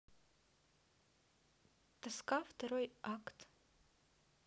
тоска второй акт